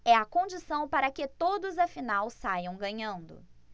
é a condição para que todos afinal saiam ganhando